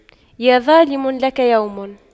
يا ظالم لك يوم